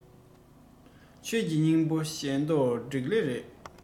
ཆོས ཀྱི སྙིང པོ གཞན དོན འགྲིག ལེ རེད